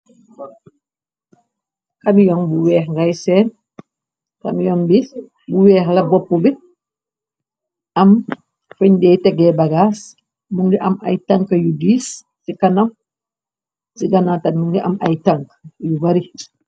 Kamilon bu weex ngay seen kamilon bi bu weex la bopp bi am feñdey tegee bagaas mu ngi am ay tank yu diis i anam ci gana tar mi ngi am ay tank yu bari.